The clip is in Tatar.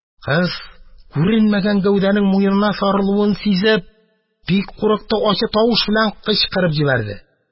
Кыз, күренмәгән гәүдәнең муенына сарылуын сизеп, бик курыкты, ачы тавыш белән кычкырып җибәрде.